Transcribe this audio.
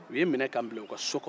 u ye n minɛ ka bila u ka so kɔnɔ